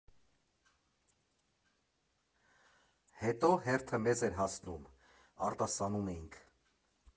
Հետո հերթը մեզ էր հասնում՝ արտասանում էինք։